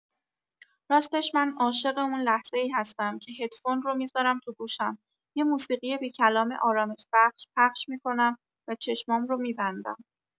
راستش من عاشق اون لحظه‌ای هستم که هدفون رو می‌ذارم تو گوشم، یه موسیقی بی‌کلام آرامش‌بخش پخش می‌کنم و چشمام رو می‌بندم.